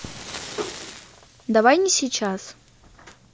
давай не сейчас